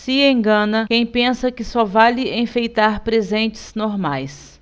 se engana quem pensa que só vale enfeitar presentes normais